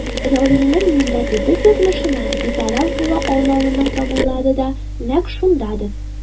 Равилнең милләтебез язмышына битараф була алмавының тамырлары да нәкъ шундадыр.